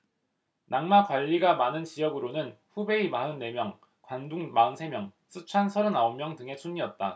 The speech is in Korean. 낙마 관리가 많은 지역으로는 후베이 마흔 네 명 광둥 마흔 세 명 쓰촨 서른 아홉 명 등의 순이었다